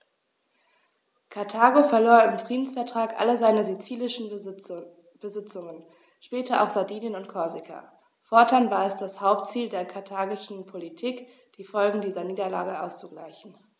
Karthago verlor im Friedensvertrag alle seine sizilischen Besitzungen (später auch Sardinien und Korsika); fortan war es das Hauptziel der karthagischen Politik, die Folgen dieser Niederlage auszugleichen.